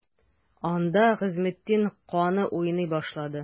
Анда Гыймазетдин каны уйный башлады.